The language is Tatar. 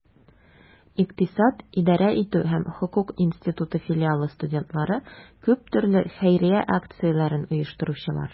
Икътисад, идарә итү һәм хокук институты филиалы студентлары - күп төрле хәйрия акцияләрен оештыручылар.